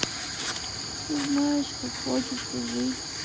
ты знаешь как хочется жить